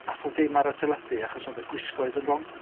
Aeth o ddim ar y teledu achos oedd y gwisgoedd yn wrong.